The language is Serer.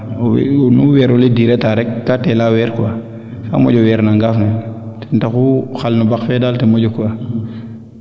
no no weero le durer taa rek kaa teela weer quoi kaa moƴo weerna ngaaf ne ten taxu xal no mbaq fee dal ten moƴu quoi